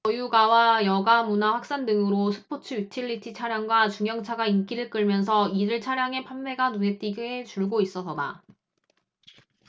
저유가와 여가문화 확산 등으로 스포츠유틸리티차량과 중형차가 인기를 끌면서 이들 차량의 판매가 눈에 띄게 줄고 있어서다